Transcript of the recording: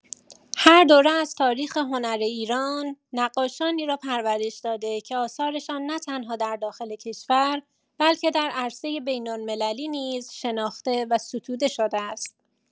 هر دوره از تاریخ هنر ایران، نقاشانی را پرورش داده که آثارشان نه‌تنها در داخل کشور بلکه در عرصه بین‌المللی نیز شناخته و ستوده شده است.